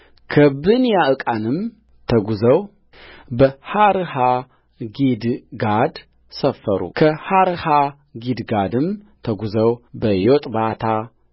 ከብኔያዕቃንም ተጕዘው በሖርሃጊድጋድ ሰፈሩከሖርሃጊድጋድም ተጕዘው በዮጥባታ